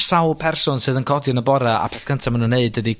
...sawl person sydd yn codi yn y bore a peth cynta ma' nw'n neud ydi